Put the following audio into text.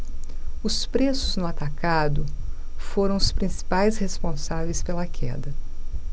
os preços no atacado foram os principais responsáveis pela queda